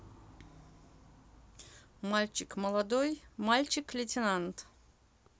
мальчик молодой мальчик летинант